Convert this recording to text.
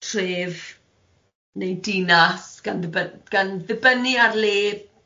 tref neu dinas gan ddibyn- gan ddibynnu ar le